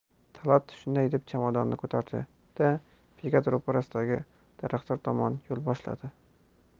talat shunday deb chamadonni ko'tardi da bekat ro'parasidagi daraxtzor tomon yo'l boshladi